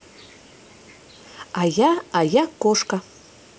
а я а я кошка